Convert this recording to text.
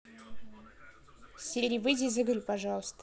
сири выйти из игры пожалуйста